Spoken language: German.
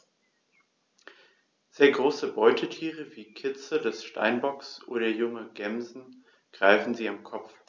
Sehr große Beutetiere wie Kitze des Steinbocks oder junge Gämsen greifen sie am Kopf.